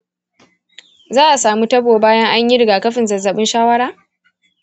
za a samu tabo bayan an yi rigakafin zazzabin shawara?